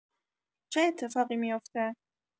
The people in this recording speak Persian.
چه اتفاقی می‌افته؟